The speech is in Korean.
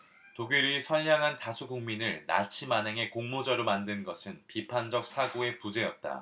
독일의 선량한 다수 국민을 나치 만행의 공모자로 만든 것은 비판적 사고의 부재였다